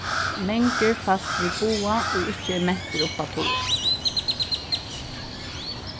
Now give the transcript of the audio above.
mangur fæst við boga ið er ikki mentur upp at toga